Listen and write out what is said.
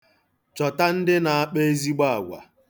Chọta ndị na-akpa ezigbo agwa.